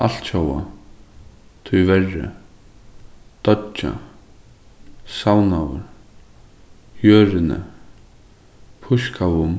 altjóða tíverri doyggja savnaðu jørðini pískaðum